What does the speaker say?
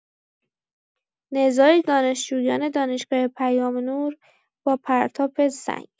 نزاع دانشجویان دانشگاه پیام‌نور با پرتاب سنگ!